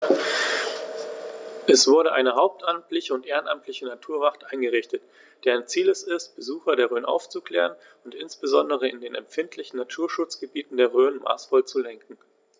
Es wurde eine hauptamtliche und ehrenamtliche Naturwacht eingerichtet, deren Ziel es ist, Besucher der Rhön aufzuklären und insbesondere in den empfindlichen Naturschutzgebieten der Rhön maßvoll zu lenken.